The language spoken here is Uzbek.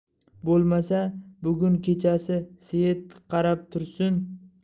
bo'lmasa bugun kechasi seit qarab tursin